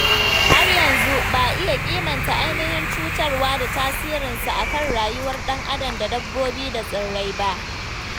Har yanzu ba iya kimanta ainihin cutarwa da tasirinsa a kan rayuwar ɗan-adam da dabbobi da tsirrai ba.